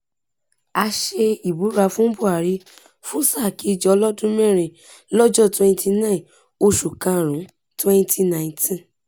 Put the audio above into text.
A ṣe ìbúra fún Buhari fún sáà kejì ọlọ́dún mẹ́rin lọ́jọ́ 29, oṣù karùn-ún, 2019.